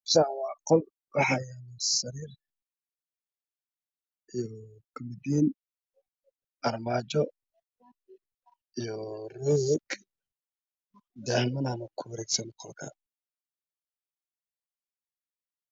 Meeshaan waa qol waxaa yaalo sariir, barkin, armaajo iyo roog. Daahman ayaa kuwareegsan qolkaan.